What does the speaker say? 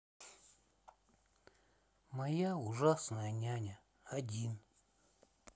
моя ужасная няня один